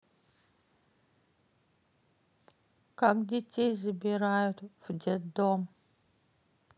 как детей забирают в детдом